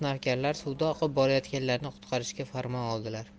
navkarlar suvda oqib borayotganlarni qutqarishga farmon oldilar